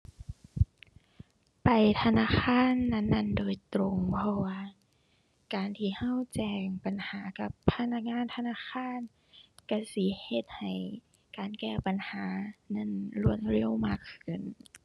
ไปธนาคารนั้นนั้นโดยตรง เพราะว่าการที่เราแจ้งปัญหากับพนักงานธนาคารเราสิเฮ็ดให้การแก้ปัญหานั้นรวดเร็วมากขึ้น